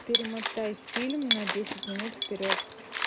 перемотай фильм на десять минут вперед